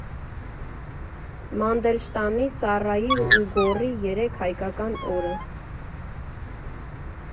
Մանդելշտամի, Սառայի ու Գոռի երեք հայկական օրը։